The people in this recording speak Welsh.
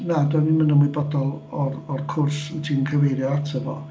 Na, doeddwn i ddim yn ymwybodol o'r o'r cwrs wyt ti'n cyfeirio ato fo.